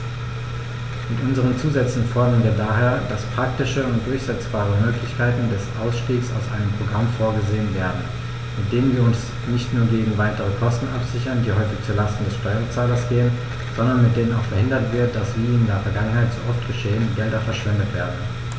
Mit unseren Zusätzen fordern wir daher, dass praktische und durchsetzbare Möglichkeiten des Ausstiegs aus einem Programm vorgesehen werden, mit denen wir uns nicht nur gegen weitere Kosten absichern, die häufig zu Lasten des Steuerzahlers gehen, sondern mit denen auch verhindert wird, dass, wie in der Vergangenheit so oft geschehen, Gelder verschwendet werden.